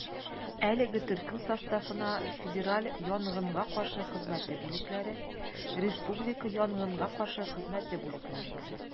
Әлеге төркем составына федераль янгынга каршы хезмәте бүлекләре, республика янгынга каршы хезмәте бүлекләре керә.